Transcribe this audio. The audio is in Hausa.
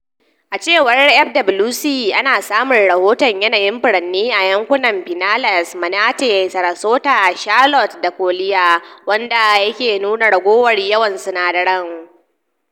A cewar FWC,ana samun rahoton yanayin furanni a yankunan Pinellas, Manatee, Sarasota, Charlotte da Collier - wanda yake nuna raguwar yawan sinadarai.